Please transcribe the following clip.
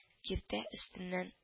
Киртә өстеннән